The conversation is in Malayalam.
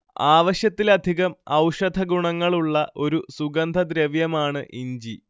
ആവശ്യത്തിലധികം ഔഷധഗുണങ്ങളുള്ള ഒരു സുഗന്ധദ്രവ്യമാണ് ഇഞ്ചി